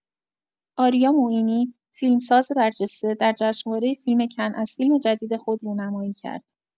آریا معینی، فیلم‌ساز برجسته، در جشنواره فیلم کن از فیلم جدید خود رونمایی کرد.